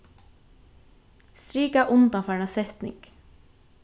strika undanfarna setning